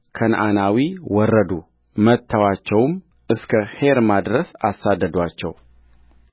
ከነዓናዊ ወረዱ መትተዋቸውም እስከ ሔርማ ድረስ አሳደዱአቸው